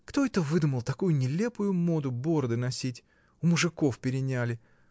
Кто это выдумал такую нелепую моду — бороды носить? У мужиков переняли!